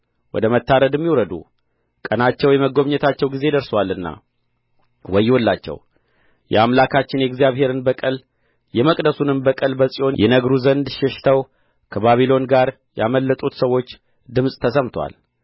ወደ መታረድም ይውረዱ ቀናቸው የመጐብኘታቸው ጊዜ ደርሶአልና ወዮላቸው የአምላካችንን የእግዚአብሔርን በቀል የመቅደሱንም በቀል በጽዮን ይነግሩ ዘንድ ሸሽተው ከባቢሎን አገር ያመለጡት ሰዎች ድምፅ ተሰምቶአል